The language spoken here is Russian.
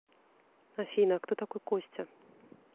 афина а кто такой костя